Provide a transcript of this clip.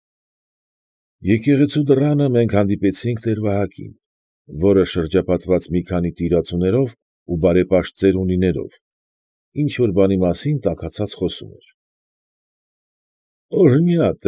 Եկեղեցու դռանը մենք հանդիպեցինք տեր֊Վահակին, որը շրջապատված մի քանի տիրացուներով ու բարեպաշտ ծերունիներով, ինչ֊որ բանի մասին տաքացած խոսում էր։ ֊ Օրհնյա։